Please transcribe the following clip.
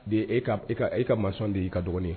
De e e ka maçon de y'i ka dɔgɔnin